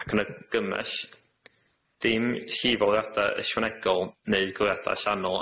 ac yn argymell dim llifoleuada ychwanegol neu goleuada allanol